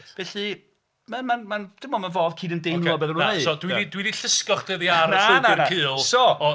Felly mae'n... mae'n... dwi'n meddwl, mae'n fodd cydymdeimlo â be maen nhw'n neud... Dwi 'di... dwi 'di llusgo chdi oddi ar y llwybr cul... Na, na, so.